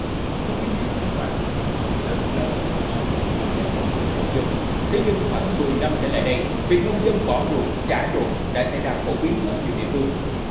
thưa quý vị và các bạn ruộng đất là tư liệu sản xuất quý giá nhất của người nông dân thế nhưng khoảng mười năm trở lại đây việc nông dân bỏ ruộng trả ruộng đã sẽ đạt phổ biến ở nhiều địa phương